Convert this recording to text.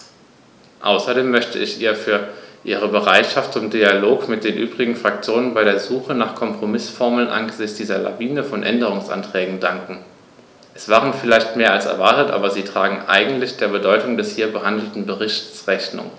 Außerdem möchte ich ihr für ihre Bereitschaft zum Dialog mit den übrigen Fraktionen bei der Suche nach Kompromißformeln angesichts dieser Lawine von Änderungsanträgen danken; es waren vielleicht mehr als erwartet, aber sie tragen eigentlich der Bedeutung des hier behandelten Berichts Rechnung.